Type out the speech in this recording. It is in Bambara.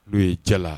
N'o ye cɛla la